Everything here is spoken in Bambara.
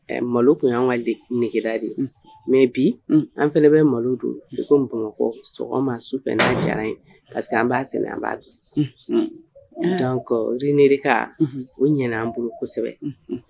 Malo tun y' ka nɛgɛge de mɛ bi an fana bɛ malo don ko bamakɔma su fɛn' diyara ye pa que an b'a an b'a ne ka o ɲ'an bolo kosɛbɛ